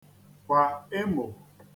kwà emò